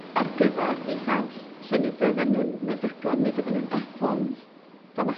ar gyfar mis Awst lle mi fyddan nw'n meddygon mi fyddan nw'n Eff ones fel ma'...